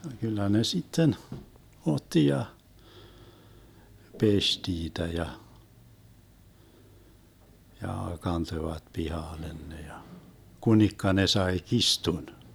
kyllä ne sitten otti ja pesi niitä ja ja kantoivat pihalle ne ja kunikka ne sai kirstun